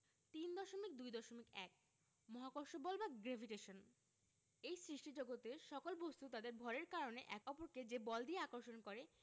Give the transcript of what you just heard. ৩.২.১ মহাকর্ষ বল বা গ্রেভিটেশন এই সৃষ্টিজগতের সকল বস্তু তাদের ভরের কারণে একে অপরকেযে বল দিয়ে আকর্ষণ করে